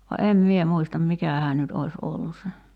vaan en minä muista mikähän nyt olisi ollut se